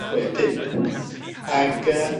chwe pump ag yy